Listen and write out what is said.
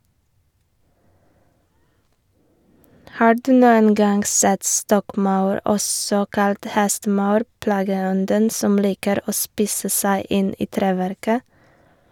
Har du noen gang sett stokkmaur, også kalt hestemaur, plageånden som liker å spise seg inn i treverket?